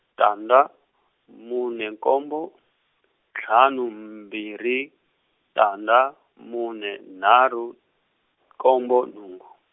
tandza mune nkombo ntlhanu mbirhi tandza mune nharhu nkombo nhungu.